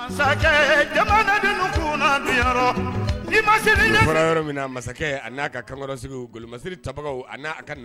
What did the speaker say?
Mansakɛɛ jamanadennu kunna duɲarɔ n'i ma sini ɲɛsigi o fɔra yɔrɔ minna masakɛɛ a n'a ka kaŋɔrɔsigiw golomasigi tabagaw an'a a ka n